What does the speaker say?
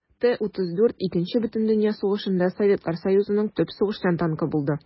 Т-34 Икенче бөтендөнья сугышында Советлар Союзының төп сугышчан танкы булды.